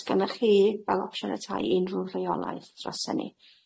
Os gynnoch chi fel opsiwn y tai unrhyw reolaeth dros enni?